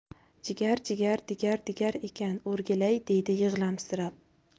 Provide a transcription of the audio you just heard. jigar jigar digar digar ekan o'rgilay deydi yig'lamsirab